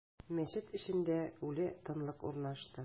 Мәчет эчендә үле тынлык урнашты.